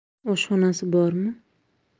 oshxonasi bormi